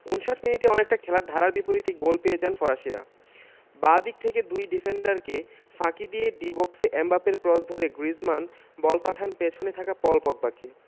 ৫৯ মিনিটে অনেকটা খেলার ধারার বিপরীতেই গোল পেয়ে যায় ফরাসিরা বাঁ দিক থেকে দুই ডিফেন্ডারকে ফাঁকি দিয়ে ডি বক্সে এমবাপ্পের ক্রস ধরে গ্রিজমান বল পাঠান পেছনে থাকা পল পগবাকে